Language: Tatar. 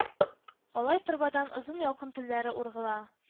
Калай торбадан озын ялкын телләре ургыла